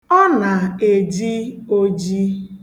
Ọ na-eji oji.